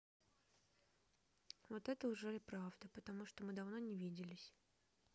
вот это уже правда потому что мы давно не виделись